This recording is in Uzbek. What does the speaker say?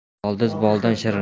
boldiz boldan shirin